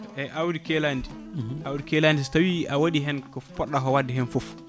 eyyi awdi keeladi awdi keeladi so tawi a waɗi hen ko poɗɗo ko wadde hen foof